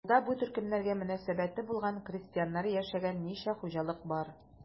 Авылда бу төркемнәргә мөнәсәбәте булган крестьяннар яшәгән ничә хуҗалык бар?